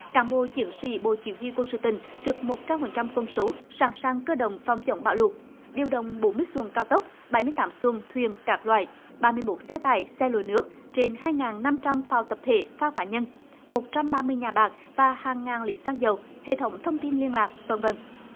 cán bộ chiến sĩ bộ chỉ huy quân sự tỉnh trực một trăm phần trăm quân số sẵn sàng cơ động phòng chống bão lụt điều động bốn mươi xuồng cao tốc bảy mươi tám xuồng thuyền các loại ba mươi mốt xe tải xe lội nước trên hai ngàn năm trăm phao tập thể phao cá nhân một trăm ba mươi nhà bạt và hàng ngàn lít xăng dầu hệ thống thông tin liên lạc vân vân